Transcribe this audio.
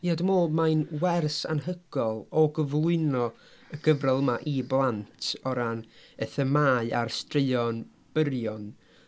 Ia dwi'n meddwl mae'n wers anhygoel o gyflwyno y gyfrol yma i blant. O ran y themâu a'r straeon byrion.